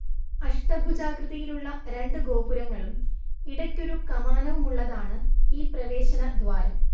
അഷ്ടഭുജാകൃതിയിലുള്ള രണ്ടു ഗോപുരങ്ങളും ഇടയ്ക്കൊരു കമാനവുമുള്ളതാണ് ഈ പ്രവേശനദ്വാരം